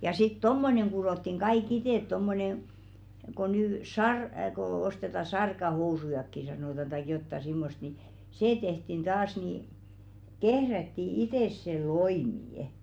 ja sitten tuommoinen kudottiin kaikki itse tuommoinen kun nyt - kun ostetaan sarkahousujakin sanotaan tai jotakin semmoista niin se tehtiin taas niin kehrättiin itse se loimikin